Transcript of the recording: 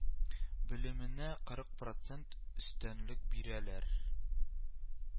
Белеменә кырык процент өстенлек бирәләр